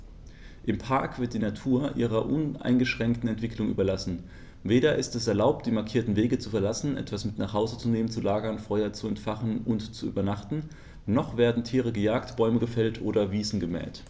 Im Park wird die Natur ihrer uneingeschränkten Entwicklung überlassen; weder ist es erlaubt, die markierten Wege zu verlassen, etwas mit nach Hause zu nehmen, zu lagern, Feuer zu entfachen und zu übernachten, noch werden Tiere gejagt, Bäume gefällt oder Wiesen gemäht.